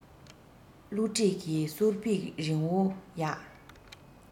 བསླུ བྲིད ཀྱི གསོར འབིག རིང བོ ཡ